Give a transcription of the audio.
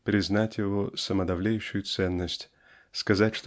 признать его самодовлеющую ценность сказать